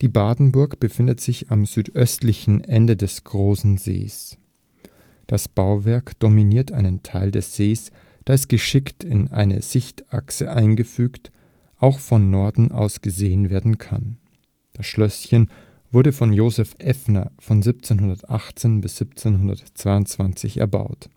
Badenburg befindet sich am südöstlichen Ende des Großen Sees. Das Bauwerk dominiert einen Teil des Sees, da es geschickt in eine Sichtachse eingefügt, auch von Norden aus gesehen werden kann. Das Schlösschen wurde von Joseph Effner von 1718 bis 1722 erbaut